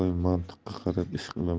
mantiqqa qarab ish qilaman